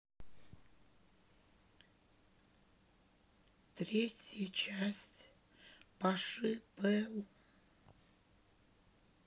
третья часть паши пэл